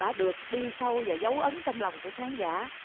đã được đi sâu và dấu ấn trong lòng của khán giả